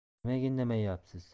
nimaga indamayapsiz